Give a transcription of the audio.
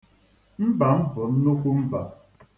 Mbà m bụ nnukwu mbà.